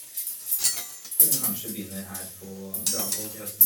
Før hun kanskje begynner her på Dragvoll til høsten.